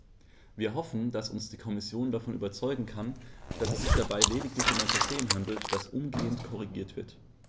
Wir hoffen, dass uns die Kommission davon überzeugen kann, dass es sich dabei lediglich um ein Versehen handelt, das umgehend korrigiert wird.